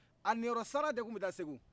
a niyɔrɔ sara de tun bɛ da segu